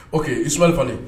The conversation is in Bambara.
O que isubalili kɔni